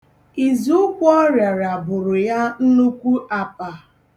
Iziụkwụ ọ rịara boro ya nnukwu apa.